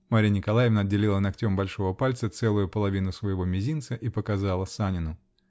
-- Марья Николаевна отделила ногтем большого пальца целую половину своего мизинца и показала Санину .